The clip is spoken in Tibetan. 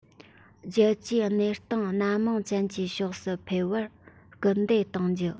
རྒྱལ སྤྱིའི གནས སྟངས སྣ མང ཅན གྱི ཕྱོགས སུ འཕེལ བར སྐུལ འདེད གཏོང རྒྱུ